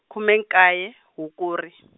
khume nkaye Hukuri.